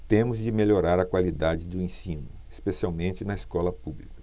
temos de melhorar a qualidade do ensino especialmente na escola pública